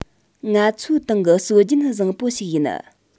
ང ཚོའི ཏང གི སྲོལ རྒྱུན བཟང པོ ཞིག ཡིན